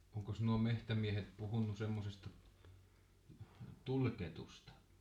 onkos nuo metsämiehet puhunut semmoisesta tuliketusta